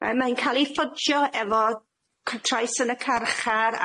Yy mae'n ca'l 'i ffojio efo c- trais yn y carchar